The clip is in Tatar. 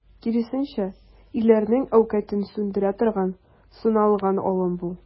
Киресенчә, ирләрнең әүкатен сүндерә торган, сыналган алым бу.